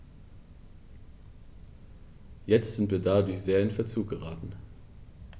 Jetzt sind wir dadurch sehr in Verzug geraten.